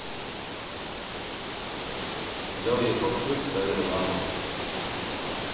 куда уехал цирк кавер лама